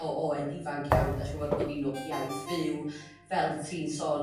o oed ifanc iawn 'da chi'n gwbod? Bod hi'n iaith fyw fel ti'n sôn